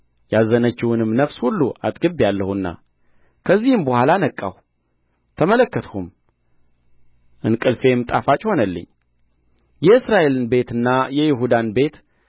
ያዘነችውንም ነፍስ ሁሉ አጥግቤአለሁና ከዚህም በኋላ ነቃሁ ተመለከትሁም እንቅልፌም ጣፋጭ ሆነልኝ የእስራኤልን ቤትና የይሁዳን ቤት